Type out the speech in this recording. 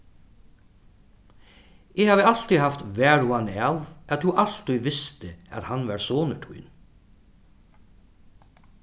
eg havi altíð havt varhugan av at tú altíð visti at hann var sonur tín